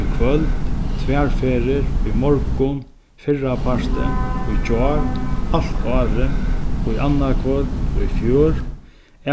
í kvøld tvær ferðir í morgun fyrrapartin í gjár alt árið í annaðkvøld í fjør